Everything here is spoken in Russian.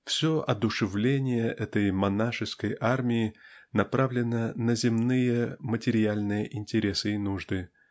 ВсЁ одушевление этой монашеской армии направлено на земные материальные интересы и нужды